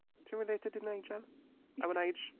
Ti’n related i Nigel? Our Nige!